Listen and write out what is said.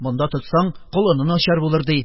Монда тотсаң, колыны начар булыр, ди.